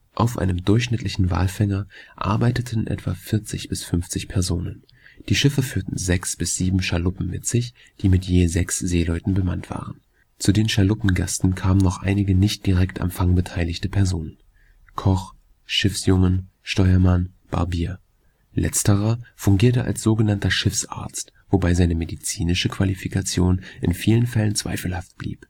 Auf einem durchschnittlichen Walfänger arbeiteten etwa 40 bis 50 Personen. Die Schiffe führten sechs bis sieben Schaluppen mit sich, die mit je sechs Seeleuten bemannt waren. Zu den Schaluppengasten kamen noch einige nicht direkt am Fang beteiligte Personen: Koch, Schiffsjunge (n), Steuermann, Barbier. Letzterer fungierte als so genannter „ Schiffsarzt “, wobei seine medizinische Qualifikation in vielen Fällen zweifelhaft blieb